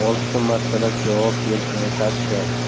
'olti martalab' javob berishini ta'kidladi